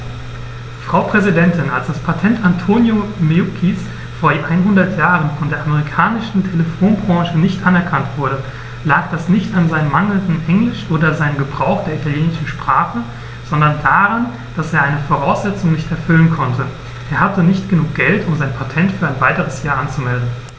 Frau Präsidentin, als das Patent Antonio Meuccis vor einhundert Jahren von der amerikanischen Telefonbranche nicht anerkannt wurde, lag das nicht an seinem mangelnden Englisch oder seinem Gebrauch der italienischen Sprache, sondern daran, dass er eine Voraussetzung nicht erfüllen konnte: Er hatte nicht genug Geld, um sein Patent für ein weiteres Jahr anzumelden.